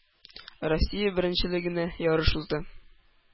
Россия беренчелегенә ярыш узды.